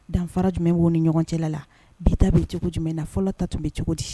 Danfa jumɛn' ni ɲɔgɔn cɛla la bita bɛ cogo jumɛn na fɔlɔ ta tun bɛ cogo di